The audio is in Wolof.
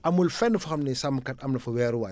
amul fenn foo xam ne sàmmkat am na fa weeruwaay